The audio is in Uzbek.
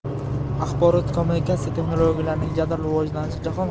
axborot kommuniktsiya texnologiyalarining jadal rivojlanishi jahon